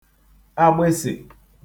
agbịsị̀